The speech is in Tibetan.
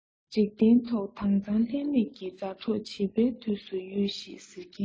འཇིག རྟེན ཐོག དྭངས གཙང ལྷད མེད ཀྱི མཛའ གྲོགས བྱིས པའི དུས སུ ཡོད ཞེས ཟེར གྱིན ཡོད